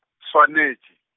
swanetše.